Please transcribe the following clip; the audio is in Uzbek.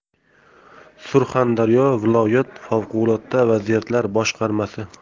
surxondaryo viloyat favqulodda vaziyatlar boshqarmasi